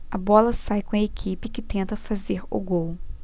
a bola sai com a equipe que tenta fazer o gol